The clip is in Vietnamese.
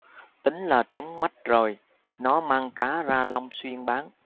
tính là trúng mánh rồi nó mang cá ra long xuyên bán